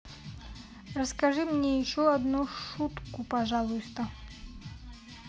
расскажи мне еще одну шутку пожалуйста